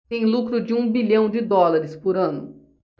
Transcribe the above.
tem lucro de um bilhão de dólares por ano